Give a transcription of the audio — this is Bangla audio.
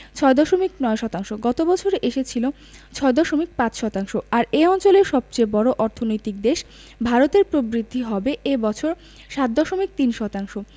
৬.৯ শতাংশ গত বছর এসেছিল ৬.৫ শতাংশ আর এ অঞ্চলের সবচেয়ে বড় অর্থনৈতিক দেশ ভারতের প্রবৃদ্ধি হবে এ বছর ৭.৩ শতাংশ